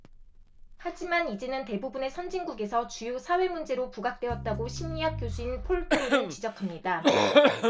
하지만 이제는 대부분의 선진국에서 주요 사회 문제로 부각되었다고 심리학 교수인 폴 토로는 지적합니다